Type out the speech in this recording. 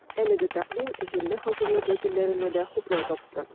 Әлеге тәкъдим җирле хакимият вәкилләрендә дә хуплау тапты.